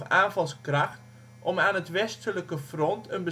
aanvalskracht om aan het Westelijke Front een beslissende